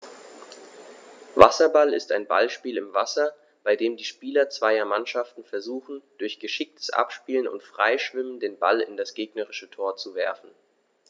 Wasserball ist ein Ballspiel im Wasser, bei dem die Spieler zweier Mannschaften versuchen, durch geschicktes Abspielen und Freischwimmen den Ball in das gegnerische Tor zu werfen.